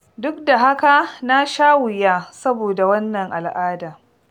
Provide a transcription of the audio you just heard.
Duk da haka, na sha wuya saboda wannan al'ada.